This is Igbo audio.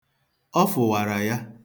Ọ fụwara ya.